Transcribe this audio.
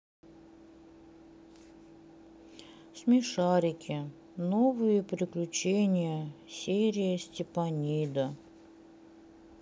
смешарики новые приключения серия степанида